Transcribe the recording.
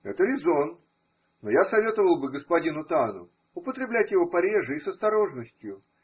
Это резон, но я советовал бы господину Тану употреблять его пореже и с осторожностью